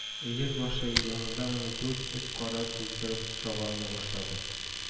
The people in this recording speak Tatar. Өер башы янында гына дүрт эт кар туздырып чабалана башлады